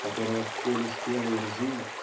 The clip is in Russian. которая в поле спелой ржи